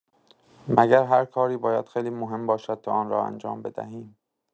مگر هر کاری باید خیلی مهم باشد تا آن را انجام بدهیم؟